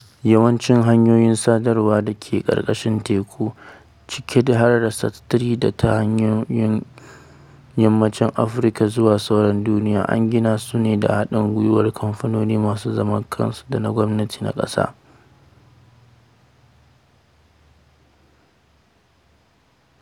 Yawancin hanyoyin sadarwa da ke ƙarƙashin teku, ciki har da SAT-3 da ta haɗa Yammacin Afirka zuwa sauran duniya, an gina su ne da haɗin gwiwar kamfanoni masu zaman kansu da na gwamnati (na ƙasa).